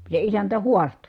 se isäntä haastoi